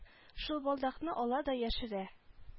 Шул балдакны ала да яшерә